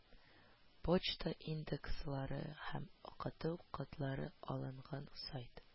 Почта индекслары һәм ОКАТО кодлары алынган сайт